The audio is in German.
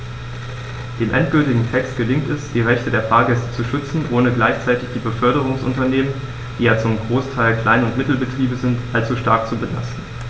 Dem endgültigen Text gelingt es, die Rechte der Fahrgäste zu schützen, ohne gleichzeitig die Beförderungsunternehmen - die ja zum Großteil Klein- und Mittelbetriebe sind - allzu stark zu belasten.